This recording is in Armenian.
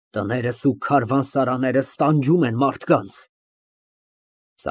Տներս ու քարավաններս տանջում են մարդկանց։ (Լռություն)։